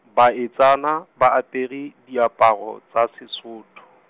baetsana, ba apere diaparo tsa Sesotho.